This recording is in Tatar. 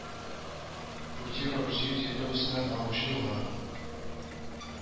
Крутиха Русия территориясеннән агучы елга